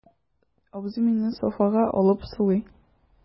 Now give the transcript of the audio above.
Абзый мине софага алып сылый.